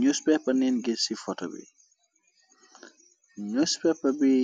Newspepa neen giss ci foto bi newspaper bi